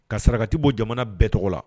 Ka sarakati bɔ jamana bɛɛ tɔgɔ la